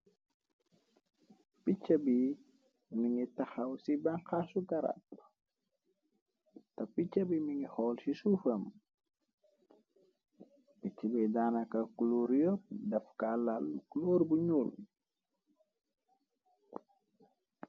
Picca bi mi ngi taxaw ci banxarsu karab te picca bi mi ngi xool ci suufam picc bi daanakaku loor yop def kalaallóor bu nuul bi.